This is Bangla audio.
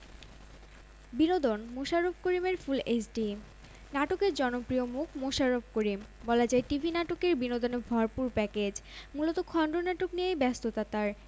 মাথায় একটা হেলমেট পরেই মস্তিষ্কের ইমেজিং নিখুঁতভাবে করা যাবে আর এই প্রক্রিয়া চলার সময় রোগীকে রোবটের মতো নিশ্চল শুয়ে কিংবা বসে থাকতে হবে না তিনি ইচ্ছা করলে হাটাচলা করতে পারবেন খাওয়া দাওয়া করতে পারবেন এমনকি টেবিল টেনিসও খেলতে পারবেন